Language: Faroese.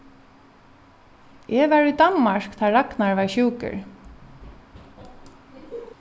eg var í danmark tá ragnar varð sjúkur